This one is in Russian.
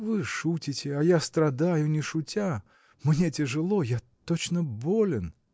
– Вы шутите, а я страдаю не шутя; мне тяжело, я точно болен.